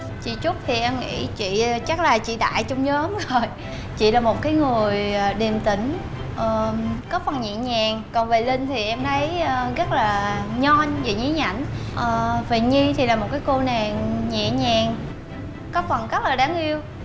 chị trúc thì em nghĩ chị chắc là chị đại trong nhóm rồi chị là một cái người điềm tĩnh có phần nhẹ nhàng còn về linh thì em thấy rất là nhon và nhí nhảnh và nhi thì là một cái cô nàng nhẹ nhàng có phần rất là đáng yêu